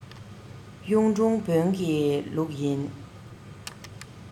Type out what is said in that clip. གཡུང དྲུང བོན གྱི ལུགས ཡིན